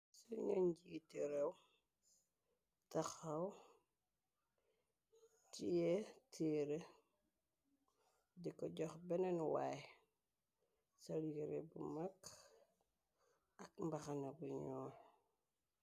Ci ñu njiiti rew daxaw tie tiire diko jox beneen waay salire bu mag ak mbaxana bu ñyul.